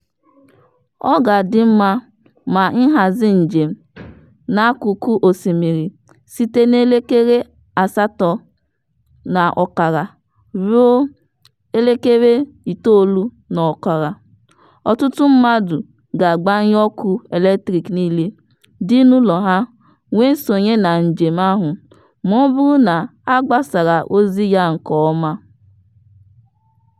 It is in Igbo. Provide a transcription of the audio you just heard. Ọ ga-adị mma ma ịhazi njem n'akụkụ osimiri site n'elekere 8:30 ruo 9:30 … Ọtụtụ mmadụ ga-agbanyụ ọkụ eletrik niile dị n'ụlọ ha wee sonye na njem ahụ ma ọ bụrụ na a gbasara ozi ya nke ọma.